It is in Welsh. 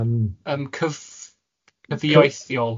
Yym cyf- cyfiaithiol.